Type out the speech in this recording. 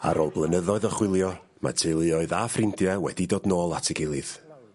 Ar ôl blynyddoedd o chwilio mae teuluoedd a ffrindia wedi dod nôl at ei gilydd.